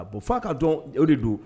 A bon fa ka dɔn o de don